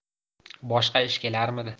boshqa ish kelarmidi